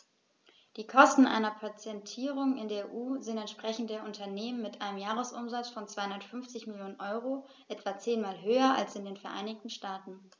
Die Kosten einer Patentierung in der EU sind, entsprechend der Unternehmen mit einem Jahresumsatz von 250 Mio. EUR, etwa zehnmal höher als in den Vereinigten Staaten.